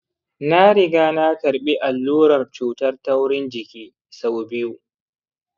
na riga na karɓi allurar cutar taurin jiki sau biyu.